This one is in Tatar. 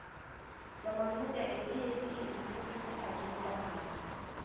Заманны да әйди-әйди республикам атлый алга